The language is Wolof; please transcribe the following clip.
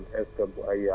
dëgg la